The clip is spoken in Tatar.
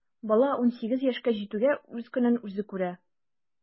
Бала унсигез яшькә җитүгә үз көнен үзе күрә.